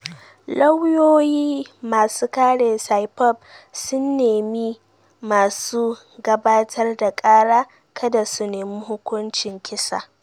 Lauyoyi masu kare Saipov sun nemi masu gabatar da kara kada su nemi hukuncin kisa.